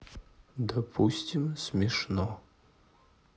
допустим смешно